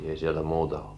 ei siellä muuta ollut